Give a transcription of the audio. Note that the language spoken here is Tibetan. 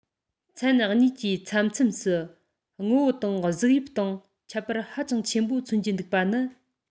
མཚན གཉིས ཀྱིས མཚམས མཚམས སུ ངོ བོ དང གཟུགས དབྱིབས སྟེང ཁྱད པར ཧ ཅང ཆེན པོ མཚོན གྱི འདུག པ ནི